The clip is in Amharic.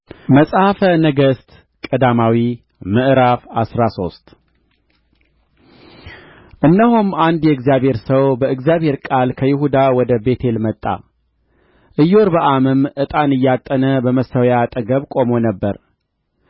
መጽሐፈ ነገሥት ቀዳማዊ ምዕራፍ አስራ ሶስት እነሆም አንድ የእግዚአብሔር ሰው በእግዚአብሔር ቃል ከይሁዳ ወደ ቤቴል መጣ ኢዮርብዓምም ዕጣን እያጠነ በመሠዊያው አጠገብ ቆሞ ነበር